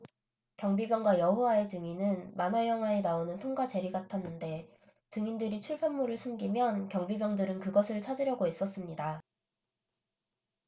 경비병과 여호와의 증인은 만화 영화에 나오는 톰과 제리 같았는데 증인들이 출판물을 숨기면 경비병들은 그것을 찾으려고 애썼습니다